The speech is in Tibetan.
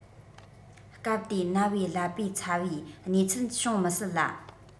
སྐབས དེའི ན བའི ཀླད པའི ཚ བའི གནས ཚུལ བྱུང མི སྲིད ལ